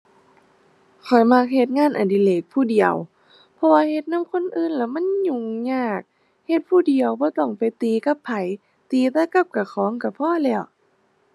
ข้อยมักเฮ็ดงานอดิเรกผู้เดียว เพราะว่าเฮ็ดนำคนอื่นแล้วมันยุ่งยาก เฮ็ดผู้เดียวบ่ต้องไปตีกับไผ ตีแต่กับเจ้าของก็พอแล้ว